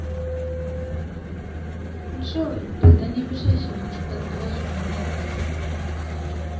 джой тогда не обижайся лучше подбрось монетку